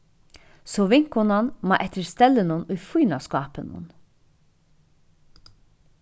so vinkonan má eftir stellinum í fína skápinum